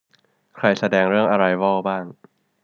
ใครแสดงเรื่องอะไรวอลบ้าง